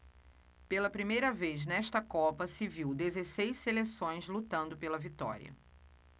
pela primeira vez nesta copa se viu dezesseis seleções lutando pela vitória